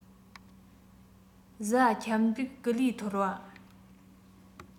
གཟའ ཁྱབ འཇུག སྐུ ལུས ཐོར བ